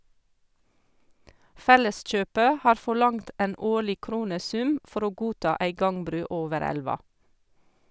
Felleskjøpet har forlangt en årlig kronesum for å godta ei gangbru over elva.